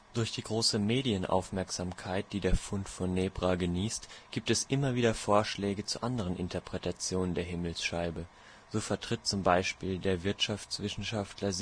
Durch die große Medienaufmerksamkeit, die der Fund von Nebra genießt, gibt es immer wieder Vorschläge zu anderen Interpretationen der Himmelsscheibe. So vertritt zum Beispiel der Wirtschaftswissenschaftler